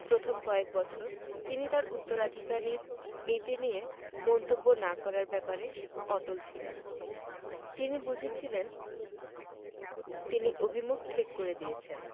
প্রথম কয়েক বছর তিনি তাঁর উত্তরাধিকারীর নীতি নিয়ে মন্তব্য না করার ব্যাপারে অটল ছিলেন তিনি বুঝেছিলেন তিনি অভিমুখ ঠিক করে দিয়েছেন